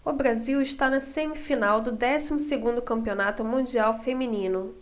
o brasil está na semifinal do décimo segundo campeonato mundial feminino